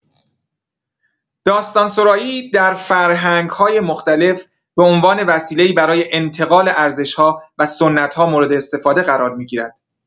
داستان‌سرایی در فرهنگ‌های مختلف به عنوان وسیله‌ای برای انتقال ارزش‌ها و سنت‌ها مورداستفاده قرار می‌گیرد.